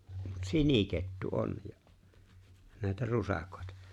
mutta sinikettu on ja näitä rusakoita